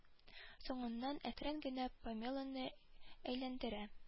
Соңыннан әкрен генә памелоны әйләндерә